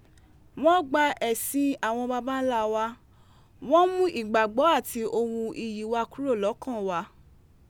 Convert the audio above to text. Wọ́n gba ẹ̀sìn àwọn babańláa wa, wọ́n mú ìgbàgbọ́ àti ohun iyìi wa kúrò lọkàn an wa.